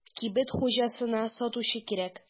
Кибет хуҗасына сатучы кирәк.